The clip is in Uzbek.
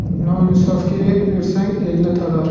noinsofga erk bersang elni talar